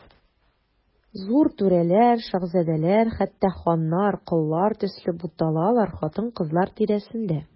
Зур түрәләр, шаһзадәләр, хәтта ханнар, коллар төсле буталалар хатын-кызлар тирәсендә.